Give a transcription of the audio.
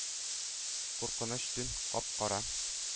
Куркыныч төн кап-кара...